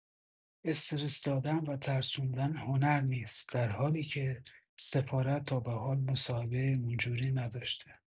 استرس دادن و ترسوندن هنر نیست در حالی که سفارت تابحال مصاحبه اونجوری نداشته!